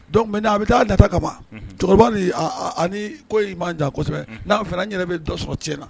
Dɔnku mɛ a bɛ taa nata kaban cɛkɔrɔba ko ma jan kosɛbɛ n'a fana yɛrɛ bɛ dɔ sɔrɔ ti na